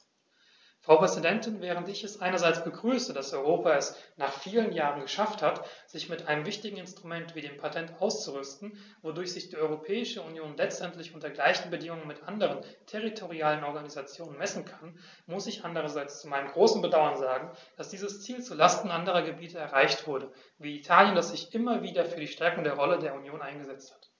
Frau Präsidentin, während ich es einerseits begrüße, dass Europa es - nach vielen Jahren - geschafft hat, sich mit einem wichtigen Instrument wie dem Patent auszurüsten, wodurch sich die Europäische Union letztendlich unter gleichen Bedingungen mit anderen territorialen Organisationen messen kann, muss ich andererseits zu meinem großen Bedauern sagen, dass dieses Ziel zu Lasten anderer Gebiete erreicht wurde, wie Italien, das sich immer wieder für die Stärkung der Rolle der Union eingesetzt hat.